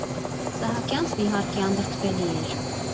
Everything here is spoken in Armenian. Սահակյանցն իհարկե անդրդվելի էր։